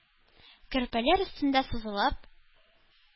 Көрпәләр өстендә сузылып,